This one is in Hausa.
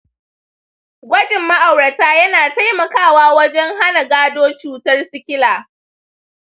gwajin ma'aurata yana taimakawa wajen hana gado cutar sikila.